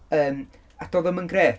Yym, a doedd o'm yn grêt.